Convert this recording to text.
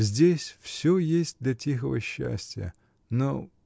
Здесь всё есть для тихого счастья — но.